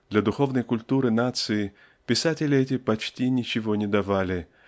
для духовной культуры нации писатели эти почти ничего не давали